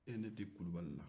e ye ne di kulubali la